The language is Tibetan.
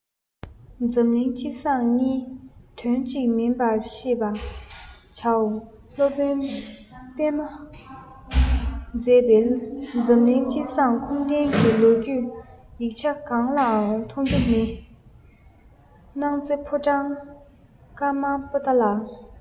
འཛམ གླིང སྤྱི བསང གཉིས དོན གཅིག མིན པར ཤེས པ བྱའོ སློབ དཔོན པདྨས མཛད པའི འཛམ གླིང སྤྱི བསངས ཁུངས ལྡན གྱི ལོ རྒྱུས ཡིག ཆ གང ལའང མཐོང རྒྱུ མི སྣང རྩེ ཕོ བྲང དཀར དམར པོ ཏ ལ